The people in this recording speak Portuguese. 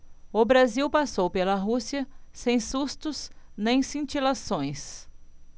o brasil passou pela rússia sem sustos nem cintilações